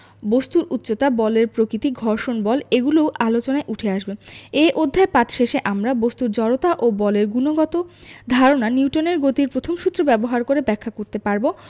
বস্তুর উচ্চতা বলের প্রকৃতি ঘর্ষণ বল এগুলোও আলোচনায় উঠে আসবে এ অধ্যায় পাঠ শেষে আমরা বস্তুর জড়তা ও বলের গুণগত ধারণা নিউটনের গতির প্রথম সূত্র ব্যবহার করে ব্যাখ্যা করতে পারব